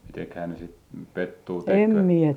mitenkähän ne sitten - pettua tekivät